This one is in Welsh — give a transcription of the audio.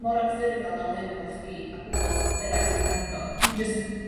mor anffurfiol fel rhein efo chdi a gwbod bod eraill yn grando... Hmm. ...dwi jyst